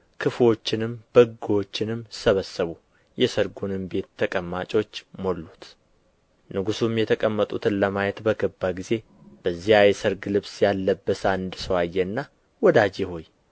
ክፉዎችንም በጎዎችንም ሰበሰቡ የሰርጉንም ቤት ተቀማጮች ሞሉት ንጉሡም የተቀመጡትን ለማየት በገባ ጊዜ በዚያ የሰርግ ልብስ ያለበሰ አንድ ሰው አየና ወዳጄ ሆይ